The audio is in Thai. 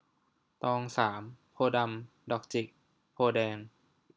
ตองสามโพธิ์ดำดอกจิกโพธิ์แดง